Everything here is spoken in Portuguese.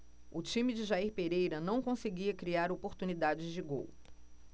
o time de jair pereira não conseguia criar oportunidades de gol